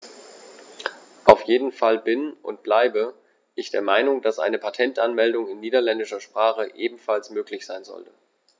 Auf jeden Fall bin - und bleibe - ich der Meinung, dass eine Patentanmeldung in niederländischer Sprache ebenfalls möglich sein sollte.